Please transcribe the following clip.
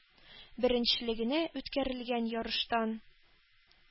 Беренчелегенә үткәрелгән ярыштан